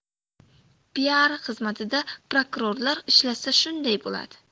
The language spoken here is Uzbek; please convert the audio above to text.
piar xizmatda prokurorlar ishlasa shunday bo'ladi